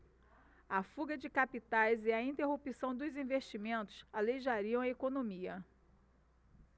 a fuga de capitais e a interrupção dos investimentos aleijariam a economia